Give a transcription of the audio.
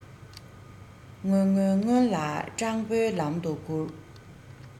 སྔོན སྔོན སྔོན ལ སྤྲང པོའི ལམ ཏུ སྐུར